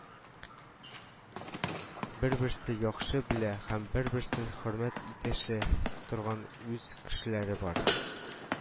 Бер-берсе яхшы белә һәм бер-берсен хөрмәт итәшә торган үз кешеләре бар